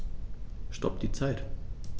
Stopp die Zeit